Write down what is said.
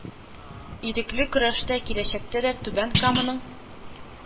Ирекле көрәштә киләчәктә дә түбән каманың